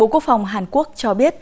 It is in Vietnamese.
bộ quốc phòng hàn quốc cho biết